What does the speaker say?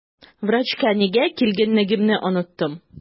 Врачка нигә килгәнлегемне оныттым.